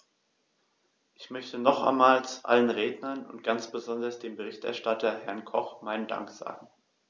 Ich möchte nochmals allen Rednern und ganz besonders dem Berichterstatter, Herrn Koch, meinen Dank sagen.